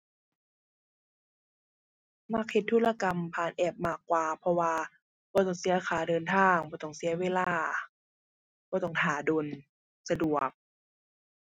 มักเฮ็ดธุรกรรมผ่านแอปมากกว่า เพราะว่าบ่ต้องเสียค่าเดินทาง บ่ต้องเสียเวลา บ่ต้องท่าโดน สะดวก